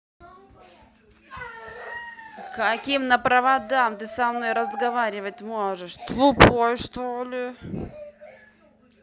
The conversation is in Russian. каким на проводам ты со мной разговаривать можешь тупой что ли